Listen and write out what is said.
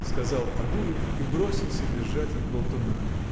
– сказал Адуев и бросился бежать от болтуна.